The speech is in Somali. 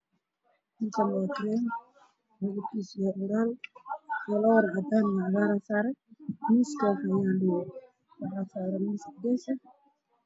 Waa caagad midabkoodii yihiin cadaan cagaar